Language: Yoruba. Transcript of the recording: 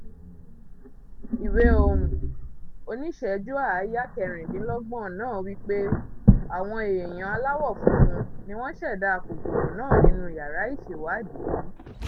Ìwé-ohùn oníṣẹ̀júú-àáyá-26 náà wí pé àwọn èèyàn aláwọ̀ funfun ni wọ́n ṣẹ̀dá kòkòrò náà nínú yàrá ìṣèwádìí.